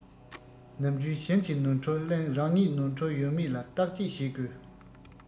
ནམ རྒྱུན གཞན གྱི ནོར འཁྲུལ གླེང རང ཉིད ནོར ཡོད མེད ལ བརྟག དཔྱད བྱེད དགོས